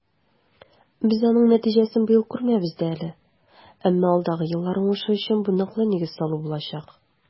Без аның нәтиҗәсен быел күрмәбез дә әле, әмма алдагы еллар уңышы өчен бу ныклы нигез салу булачак.